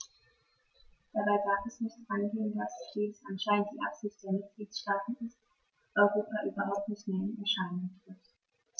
Dabei darf es nicht angehen, dass - wie es anscheinend die Absicht der Mitgliedsstaaten ist - Europa überhaupt nicht mehr in Erscheinung tritt.